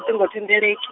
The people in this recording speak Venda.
-tingo thendelek-.